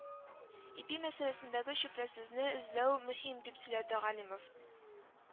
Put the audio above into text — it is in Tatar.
Ипи мәсьәләсендәге чүпрәсезне эзләү мөһим дип сөйләде Галимов